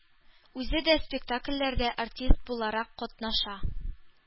Үзе да спектакльләрдә артист буларак катнаша.